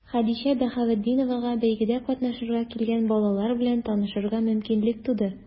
Хәдичә Баһаветдиновага бәйгедә катнашырга килгән балалар белән танышырга мөмкинлек туды.